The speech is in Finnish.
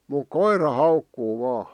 mutta koira haukkuu vain